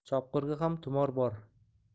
chopqirga ham tumor bor